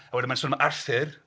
A wedyn mae'n sôn am Arthur.